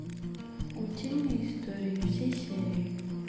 утиные истории все серии